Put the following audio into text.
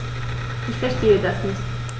Ich verstehe das nicht.